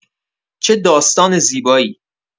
چه داستان زیبایی!